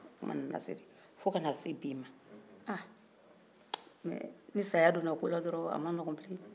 kuma nana se ten fɔ ka n'a se bi ma ah ni saya donna ko la dɔrɔn a man nɔgɔn bile